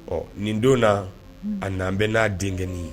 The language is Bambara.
Ɔ nin don na a na bɛ n'a denk ye